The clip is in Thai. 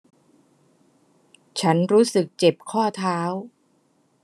ฉันรู้สึกเจ็บข้อเท้า